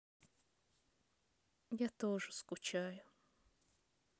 я тоже скучаю